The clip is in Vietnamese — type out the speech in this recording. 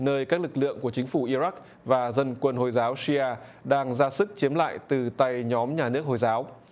nơi các lực lượng của chính phủ i rắc và dân quân hồi giáo si a đang ra sức chiếm lại từ tay nhóm nhà nước hồi giáo